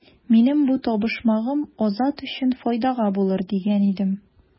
Минем бу табышмагым Азат өчен файдага булыр дигән идем.